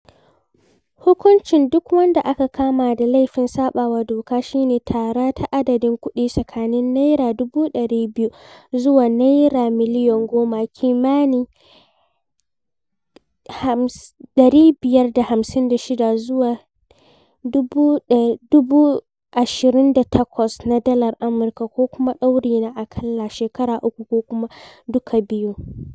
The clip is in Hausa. Hukuncin duk wanda aka kama da laifin saɓawa dokar shi ne tara ta adadin kuɗi tsakanin naira 200,000 zuwa naira miliyan 10 [kimanin $556 zuwa $28,000 na dalar Amurka] ko kuma ɗauri na aƙalla shekaru uku ko kuma duka biyun.